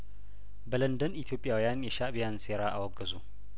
በለንደን ኢትዮጵያዊያን የሻእቢያን ሴራ አወገዙ